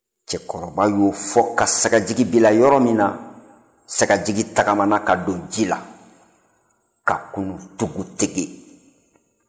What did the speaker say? cɛkɔrɔba y'o fɔ ka sagajigi bila yɔrɔ min na sagajigi tagamana ka don ji la ka tunun tugu-tege